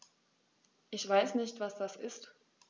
Ich weiß nicht, was das ist.